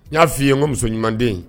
N y'a f'i n ko muso ɲuman